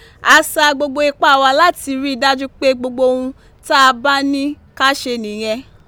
A sa gbogbo ipá wa láti rí i dájú pé gbogbo ohun tá a bá ní ká ṣe nìyẹn.